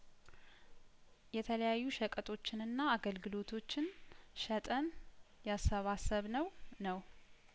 የተለያዩ ሸቀጦችንና አገልግሎቶችን ሸጠን ያሰባሰብ ነው ነው